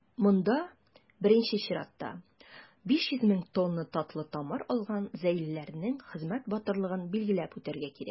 Монда, беренче чиратта, 500 мең тонна татлы тамыр алган зәйлеләрнең хезмәт батырлыгын билгеләп үтәргә кирәк.